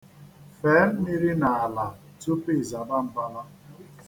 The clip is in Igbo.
Fee mmiri n'ala tupu i zaba mbala.